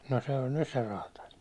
no se oli nyt se räätäli